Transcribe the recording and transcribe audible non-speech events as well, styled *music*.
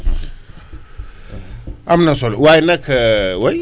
*hesitation* *hesitation* *breath* am na solo waaye nag *hesitation* oui